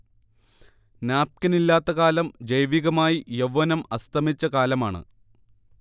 നാപ്കിനില്ലാത്ത കാലം ജൈവികമായി യൗവ്വനം അസ്തമിച്ച കാലമാണ്